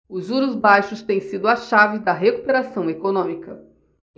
os juros baixos têm sido a chave da recuperação econômica